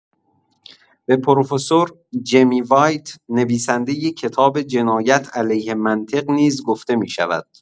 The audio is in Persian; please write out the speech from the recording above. به پروفسور جمی وایت، نویسندۀ کتاب جنایت علیه منطق نیز گفته می‌شود.